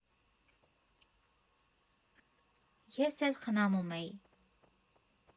Ես էլ խնամում էի։